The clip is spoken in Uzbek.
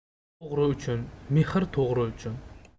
qulf o'g'ri uchun mehr to'g'ri uchun